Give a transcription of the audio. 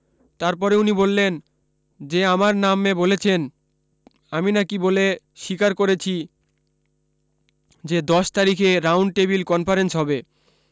তারপরে উনি বললেন যে আমার নামে বলেছেন আমি নাকি বলে স্বীকার করেছি যে দশ তারিখে রাউন্ড টেবিল কনফারেন্স হবে